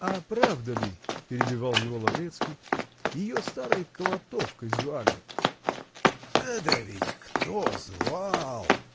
-- А правда ли, -- перебивал его Лаврецкий, -- ее старой колотовкой звали? -- Да ведь кто звал!